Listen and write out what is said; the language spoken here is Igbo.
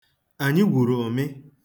Anyi gwuru ụmị.